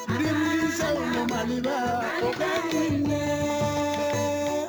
Maa yunɛ watan tɛgɛnin diɲɛ